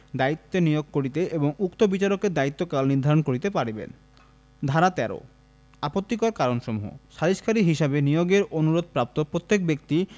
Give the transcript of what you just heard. দায়িত্বে নিয়োগ করিতে এবং উক্ত বিচারকের দায়িত্বকাল নির্ধারণ করিতে পারিবেন ধারা ১৩ আপত্তির কারণসমূহ সালিসকারী হিসাবে নিয়োগের অনুরোধ প্রাপ্ত প্রত্যেক ব্যক্তি